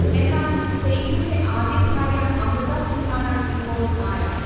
എന്നാൽ സെയ്ഫിൻ്റെ ആദ്യ ഭാര്യ അമൃത സിങ്ങാണ് ഇപ്പോൾ താരം